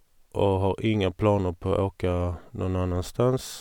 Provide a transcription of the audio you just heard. Og har ingen planer på å åke noen annensteds.